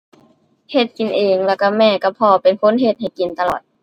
เฮ็ดกินเอง แล้วก็แม่กับพ่อเป็นคนเฮ็ดให้กินตลอด